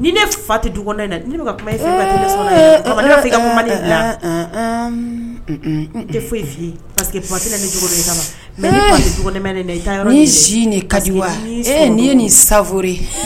Ni fa tɛ foyi ka nin ye nin sa ɲɛ